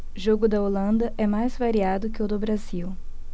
jogo da holanda é mais variado que o do brasil